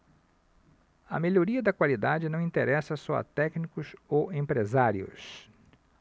a melhoria da qualidade não interessa só a técnicos ou empresários